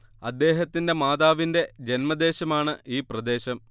അദ്ദേഹത്തിന്റെ മാതാവിന്റെ ജന്മദേശമാണ് ഈ പ്രദേശം